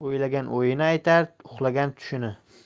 o'ylagan o'yini aytar uxlagan tushini